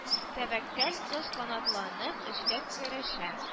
Тәвәккәл кыз канатланып эшкә керешә